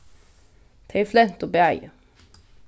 tey flentu bæði